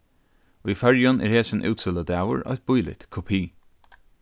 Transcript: í føroyum er hesin útsøludagur eitt bíligt kopi